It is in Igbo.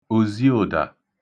òziụ̀dà